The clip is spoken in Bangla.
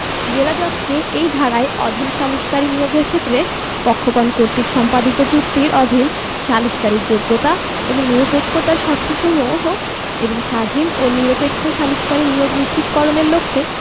জেলাজজকে এই ধারার অধীন সালিসকারী নিয়োগের ক্ষেত্রে পক্ষগণ কর্তৃক সম্পাদিত চুক্তির অধীন সালিসকারীর যোগ্যতা এবং নিরপেক্ষতার শর্তসমূহ এবং স্বাধীন ও নিরপেক্ষ সালিসকারী নিয়োগ নিশ্চিতকরণের লক্ষ্যে